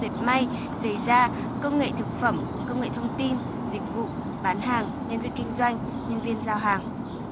dệt may giày da công nghệ thực phẩm công nghệ thông tin dịch vụ bán hàng nhân viên kinh doanh nhân viên giao hàng